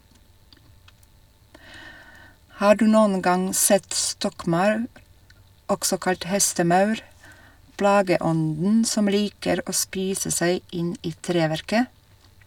Har du noen gang sett stokkmaur, også kalt hestemaur , plageånden som liker å spise seg inn i treverket?